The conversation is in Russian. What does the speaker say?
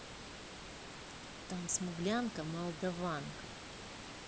там смуглянка молдаванка